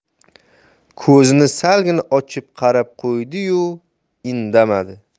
ko'zini salgina ochib qarab qo'ydi yu indamadi